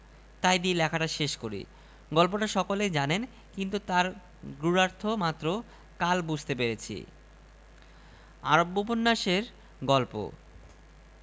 রাজার আঙুল সেই বিষ মেখে নিয়ে যাচ্ছে মুখে রাজাকে এই প্রতিহিংসার খবরটিও হেকিম রেখে গিয়েছিলেন কেতাবের শেষ পাতায়